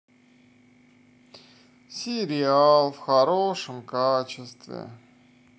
сериал в хорошем качестве